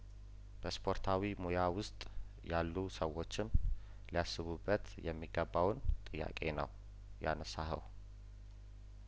በስፖርታዊ ሙያ ውስጥ ያሉ ሰዎችም ሊያስቡበት የሚገባውን ጥያቄ ነው ያነሳኸው